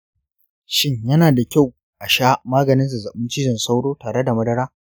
shin yana da kyau a sha maganin zazzabin cizon sauro tare da madara?